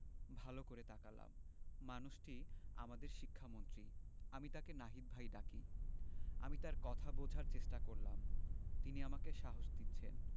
ভালো করে তাকালাম মানুষটি আমাদের শিক্ষামন্ত্রী আমি তাকে নাহিদ ভাই ডাকি আমি তার কথা বোঝার চেষ্টা করলাম তিনি আমাকে সাহস দিচ্ছেন